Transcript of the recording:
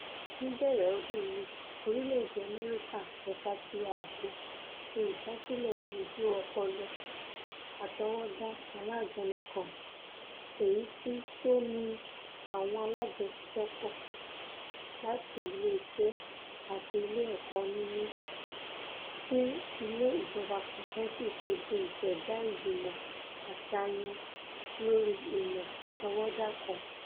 Níbẹ̀rẹ̀ ọdún yìí orílẹ̀-èdè U.S. Ẹ̀ka ti Ààbò ṣe ìdásílẹ̀ Ibùdó Ọpọlọ Àtọwọdá Alájọni kan, èyití tó ní àwọn alájọ́ṣiṣẹ́pọ̀ láti ilé iṣẹ́ àti ilé ẹ̀kọ́ nínú, ti Ilé Ìjọba Funfun sì kéde ìṣẹ̀dá Ìgbìmọ̀ Àsàyàn lórí Ìmọ̀ Àtọwọ́dá kan.